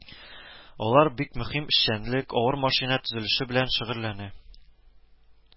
Алар бик мөһим эшчәнлек авыр машина төзелеше белән шөгыльләнә